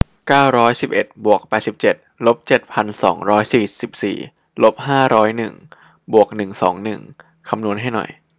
เก้าร้อยสิบเอ็ดบวกแปดสิบเจ็ดลบเจ็ดพันสองร้อยสี่สิบสี่ลบห้าร้อยหนึ่งบวกหนึ่งสองหนึ่งคำนวณให้หน่อย